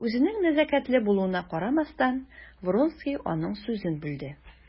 Үзенең нәзакәтле булуына карамастан, Вронский аның сүзен бүлде.